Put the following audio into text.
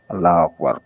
Alahu akibaru .